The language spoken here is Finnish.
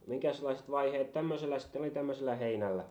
minkäslaiset vaiheet tämmöisellä sitten oli tämmöisellä heinällä